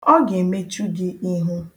O ga-emechu gị ihu.